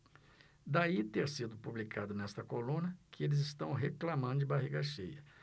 daí ter sido publicado nesta coluna que eles reclamando de barriga cheia